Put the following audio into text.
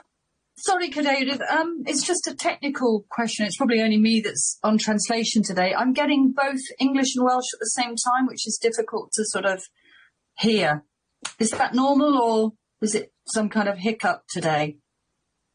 Sori cadeirydd yym it's just a technical question it's probably only me that's on translation today I'm getting both English and Welsh at the same time which is difficult to sort of hear. Is that normal or is it some kind of hiccup today?